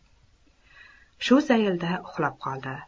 shu zaylda uxlab qoldi